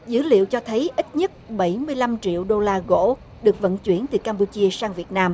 dữ liệu cho thấy ít nhất bảy mươi lăm triệu đô la gỗ được vận chuyển từ cam pu chia sang việt nam